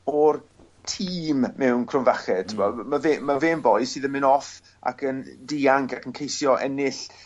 o'r tîm mewn cromfache t'bo' m- ma' fe ma' fe'n boi sydd yn myn' off ac yn dianc ac yn ceisio ennill